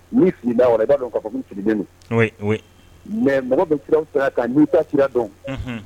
Ni filida wɛrɛ i'a dɔn k'a fɔ ko sigilenlen mɛ mana bɛ siraw sira kan'i ci dɔn